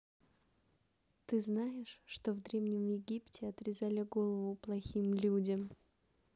ты знаешь что в древнем египте отрезали голову плохим людям